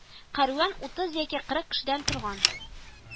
Кәрван утыз яки кырык кешедән торган